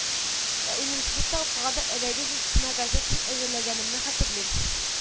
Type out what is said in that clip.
Ә университетта укыганда Әдәби сүз стена газетасын әзерләгәнемне хәтерлим